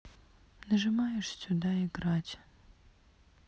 нажимаешь сюда играть